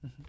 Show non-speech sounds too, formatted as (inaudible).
(hesitation) (hesitation)